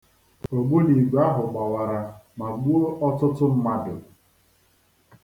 Ogbunigwe ahụ gbawara ma gbuo ọtụtụ mmadụ.